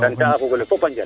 sant a o fogole fop axin